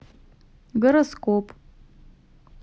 гороскоп